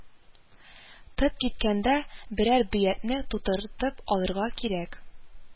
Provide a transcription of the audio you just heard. Тып киткәндә берәр «бөят»не* тутыртып алырга кирәк